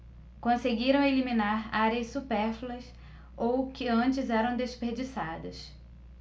conseguiram eliminar áreas supérfluas ou que antes eram desperdiçadas